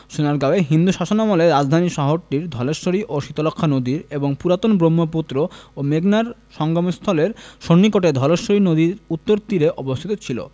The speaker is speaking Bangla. সোনারগাঁয়ে হিন্দু শাসনামলের রাজধানী শহরটি ধলেশ্বরী ও শীতলক্ষ্যা নদীর এবং পুরাতন ব্রহ্মপুত্র ও মেঘনার সঙ্গমস্থলের সন্নিকটে ধলেশ্বরী নদীর উত্তর তীরে অবস্থিত ছিল